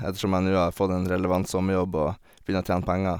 Ettersom jeg nå har fått en relevant sommerjobb og begynner å tjene penger.